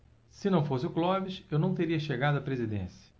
se não fosse o clóvis eu não teria chegado à presidência